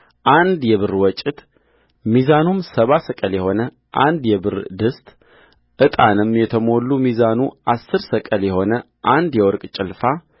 አንድ የብር ወጭት ሚዛኑም ሰባ ሰቅል የሆነ አንድ የብር ድስትዕጣንም የተሞላ ሚዛኑ አሥር ሰቅል የሆነ አንድ የወርቅ ጭልፋ